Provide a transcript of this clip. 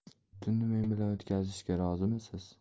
tunni men bilan birga o'tkazishga rozimisiz